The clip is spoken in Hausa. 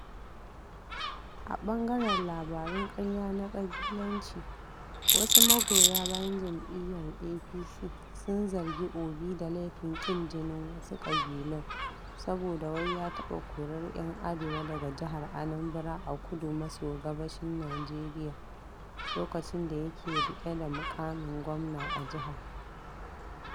A ɓangaren labarun ƙarya na ƙabilanci, wasu magoya bayan jam'iyyar APC sun zargi Obi da laifin ƙin jinin wasu ƙabilun saboda wai ya taɓa korar 'yan arewa daga jihar Anambra a kudu maso gabashin Nijeriya lokacin da yake riƙe da muƙamin gwamna a jihar.